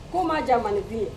Ko ma jamana bi ye